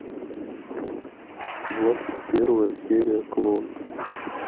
двадцать первая серия клон